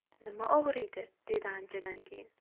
nima og'riydi deydi anchadan keyin